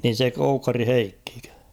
niin se Koukkarin Heikkikö